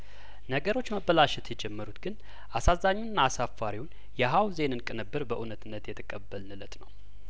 ነገሮች መበላሸት የጀመሩት ግን አሳዛኙና አሳፋሪውን የሀውዜንን ቅንብር በእውነትነት የተቀበልን እለት ነው